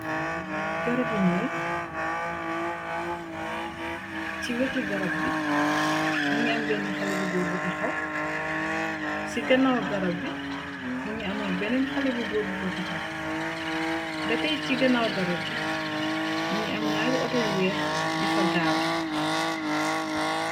Garabi ñuul, ci weti garab bi mu ngi am benna xale bi góor bu taxaw, ci ganaaw garab bi mu ngi ama beneen xale bu góor bu fa taxaw, betey ci ganaaw garab bi mu ngi am ñaari ato yu weex yu fa gaare